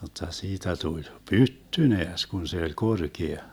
jotta siitä tuli pytty näes kun se oli korkea